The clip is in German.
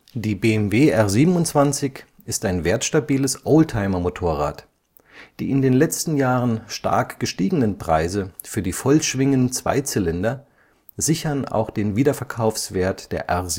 Die R 27 ist ein wertstabiles Oldtimer-Motorrad. Die in den letzten Jahren stark gestiegenen Preise für die Vollschwingen-Zweizylinder sichern auch den Wiederverkaufswert der R